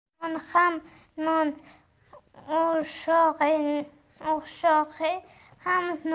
non ham non ushog'i ham non